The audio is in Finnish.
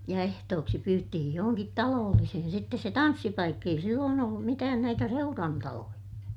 ja ehtooksi pyyttiin johonkin talollisiin sitten se tanssipaikka ei silloin ollut mitään näitä seurantaloja